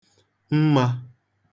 mmā